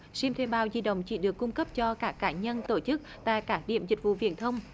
sim thuê bao di động chỉ được cung cấp cho các cá nhân tổ chức tại các điểm dịch vụ viễn thông